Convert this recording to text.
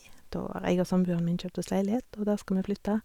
Da har jeg og samboeren min kjøpt oss leilighet, og da skal vi flytte.